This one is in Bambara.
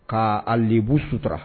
'a bbu sutura